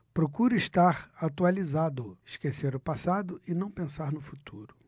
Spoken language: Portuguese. procuro estar atualizado esquecer o passado e não pensar no futuro